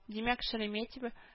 Димәк, Шереметева